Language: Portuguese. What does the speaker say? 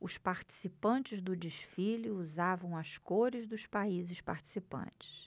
os participantes do desfile usavam as cores dos países participantes